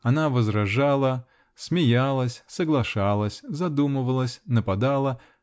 Она возражала, смеялась, соглашалась, задумывалась, нападала.